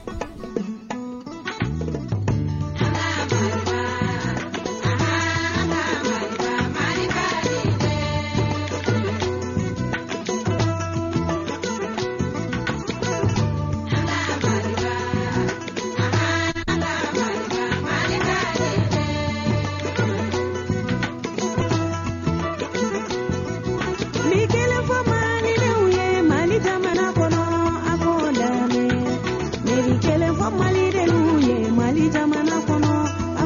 Ye ma jakɔrɔgolo kelen den ye ma ja kɔnɔ